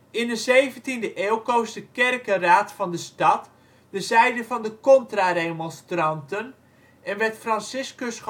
In de zeventiende eeuw koos de kerkenraad van de stad de zijde van de contra-remonstranten en werd Franciscus